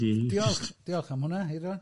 Diolch, diolch am hwnna, hi rŵan.